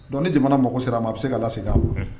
Dɔn ni jamana mɔgɔ sira a ma a bɛ se k ka lase segin' a bolo